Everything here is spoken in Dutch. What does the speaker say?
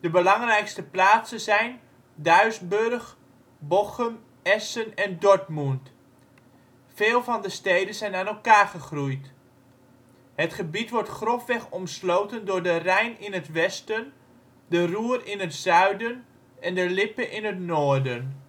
belangrijkste plaatsen zijn: Duisburg, Bochum, Essen en Dortmund; veel van de steden zijn aan elkaar gegroeid. Het gebied wordt grofweg omsloten door de Rijn in het westen, de Ruhr in het zuiden en de Lippe in het noorden